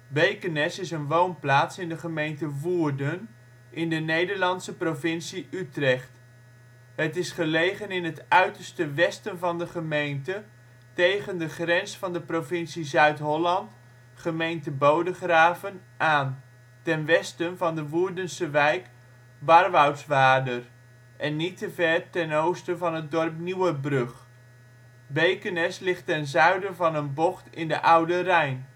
Bekenes is een woonplaats in de gemeente Woerden, in de Nederlandse provincie Utrecht. Het is gelegen in het uiterste westen van de gemeente, tegen de grens van de provincie Zuid-Holland (gemeente Bodegraven) aan, ten westen van de Woerdense wijk Barwoutswaarder en niet ver ten oosten van het dorp Nieuwerbrug. Bekenes ligt ten zuiden van een bocht in de Oude Rijn